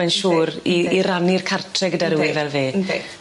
Mae'n siŵr i i rannu'r cartre gyda rywun fel fe. Yndi yndi.